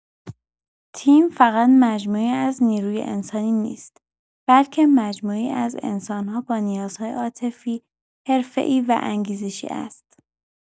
تیم فقط مجموعه‌ای از نیروی انسانی نیست، بلکه مجموعه‌ای از انسان‌ها با نیازهای عاطفی، حرفه‌ای و انگیزشی است.